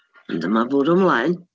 Ond dyma fwrw mlaen.